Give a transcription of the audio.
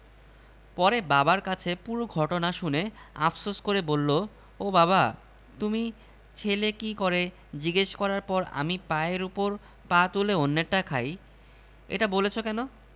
সেটি জানতে চেয়েছেভেবে আমি সেদিন তেমন জবাব দিয়েছি